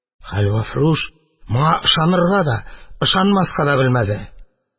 Хәлвәфрүш моңа ышанырга да, ышанмаска да белмәде.